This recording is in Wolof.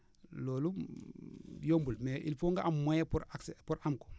loolu yombul mais il faut nga am moyens pour accès pour am ko